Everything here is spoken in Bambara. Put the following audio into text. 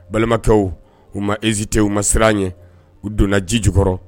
Balimatɔw u ma ezite u ma siran an ye u donna ji jukɔrɔ